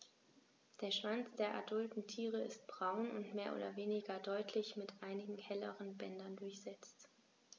Der Schwanz der adulten Tiere ist braun und mehr oder weniger deutlich mit einigen helleren Bändern durchsetzt.